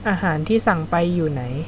อาหารที่สั่งไปอยู่ไหน